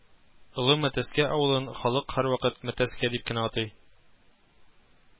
Олы Мәтәскә авылын халык һәрвакыт Мәтәскә дип кенә атый